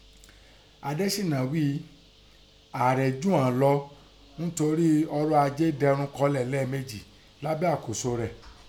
Adéṣínà ghí i ààrẹ ju ìghọn lọ ńtorí ọrọ̀ ajé Nàìjeríà dẹrun kọlẹ̀ lẹ́ẹ̀mejì lábẹ́ àkóso rẹ̀.